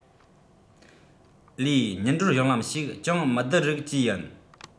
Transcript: ལས མྱུར བགྲོད གཞུང ལམ ཞིག ཅུང མི བསྡུ རིགས བཅས ཡིན